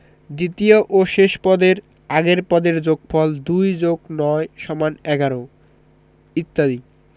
দ্বিতীয় ও শেষ পদের আগের পদের যোগফল ২+৯=১১ ইত্যাদি